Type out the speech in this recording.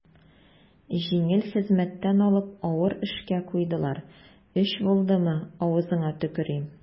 Җиңел хезмәттән алып авыр эшкә куйдылар, өч булдымы, авызыңа төкерим.